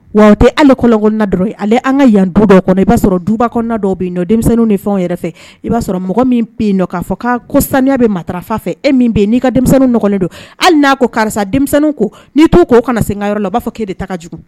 Wa tɛ ala kɔlɔnna dɔrɔn ye ale an ka yan duba kɔnɔ i b'a sɔrɔ duba kɔnɔ dɔw bɛ yen denmisɛnnin de fɛn yɛrɛ fɛ i b'a sɔrɔ mɔgɔ min bɛ yen k'a fɔ k' ko saniya bɛ maatara fɛ e bɛ n'i kalen don hali n'a ko karisa denmisɛnninw ko n'i t to ko o kana seginyɔrɔ la b'a fɔ k' de taa jugu